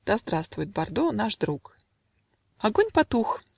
Да здравствует Бордо, наш друг! Огонь потух